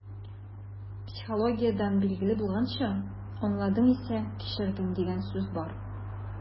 Психологиядән билгеле булганча, «аңладың исә - кичердең» дигән сүз бар.